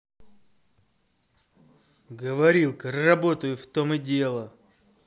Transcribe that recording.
говорилка работаю в том и дело